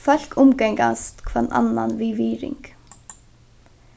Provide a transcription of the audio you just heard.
fólk umgangast hvønn annan við virðing